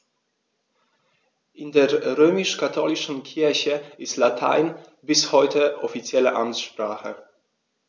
In der römisch-katholischen Kirche ist Latein bis heute offizielle Amtssprache.